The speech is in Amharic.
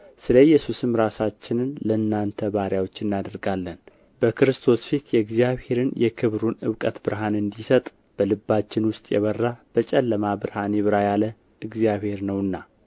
ስለ ኢየሱስም ራሳችንን ለእናንተ ባሪያዎች እናደርጋለን በክርስቶስ ፊት የእግዚአብሔርን የክብሩን እውቀት ብርሃን እንዲሰጥ በልባችን ውስጥ የበራ በጨለማ ብርሃን ይብራ ያለ እግዚአብሔር ነውና